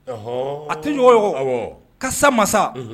Ɔɔ a tɛ ɲɔgɔn ka sa masa